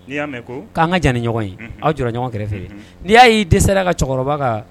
N'i k'an kaani ɲɔgɔn aw ɲɔgɔn kɛrɛfɛ n'i y'a'i de dɛsɛsera ka cɛkɔrɔba kan